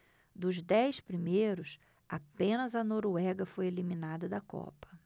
dos dez primeiros apenas a noruega foi eliminada da copa